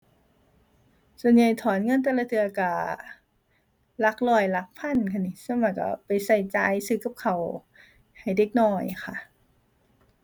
ส่วนใหญ่ถอนเงินแต่ละเทื่อก็หลักร้อย หลักพันค่ะนี่ ส่วนมากก็เอาไปก็จ่าย ซื้อกับข้าวให้เด็กน้อยค่ะ